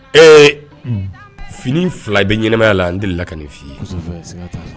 Ee fini fila bɛ ɲɛnamaya la n deli la ka nin fi ye. Kosɛbɛ. Siga ta la.